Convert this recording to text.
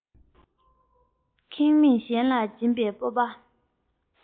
ཁེངས མེད གཞན ལ སྦྱིན པའི སྤོབས པ